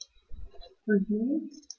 Und nun?